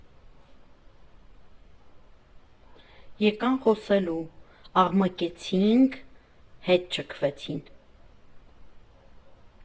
Եկան խոսելու, աղմկեցինք, հետ չքվեցին։